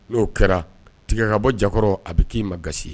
N'o kɛra tigɛ ka bɔ jakɔrɔ a bɛ k'i ma ga ye